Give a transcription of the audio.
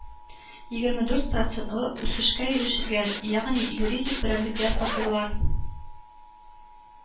Егерме дүрт процентлы үсешкә ирешелгән, ягъни юридик берәмлекләр фатирлар